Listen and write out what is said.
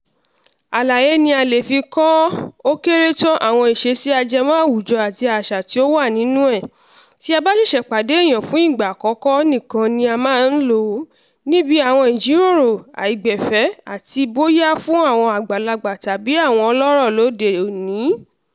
Àlàyé ni a lè fi kọ́ ọ, ó kéré tán, àwọn ìṣesí ajẹmọ́ àwùjọ àti àṣà tó wà nínú ẹ̀ : tí a bá ṣẹ̀ṣẹ̀ pàdé èèyàn fún ìgbà àkọ́kọ́ nikan ni a máa ń lò ó, níbi àwọn ìjíròrò àìgbẹ̀fẹ̀ àti, bóyá fún àwọn àgbàlagbà tàbí àwọn ọlọ́rọ̀ lóde òní.